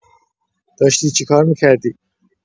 داشتی چیکار می‌کردی؟